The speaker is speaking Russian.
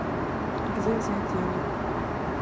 где взять денег